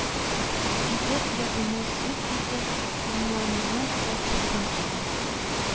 Дидер ягымлы сүз әйтеп, моңлануын басасым килә